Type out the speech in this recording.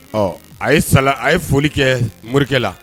Ɔ a ye sala a ye foli kɛ morikɛ la